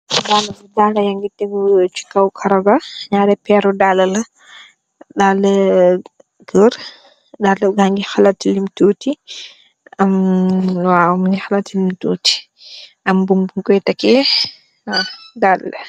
Daale, daale ya ngi tegu ci kaw karo ga, peru daale la, daale goor, daale gage xala tilim tuuti, amm waw mingi xala tilim tuti, am buum guj koy takee, waw, daale